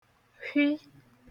fhị